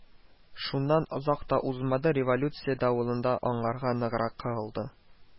Шуннан озак та узмады, революция давылы аңарга ныграк кагылды